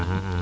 aha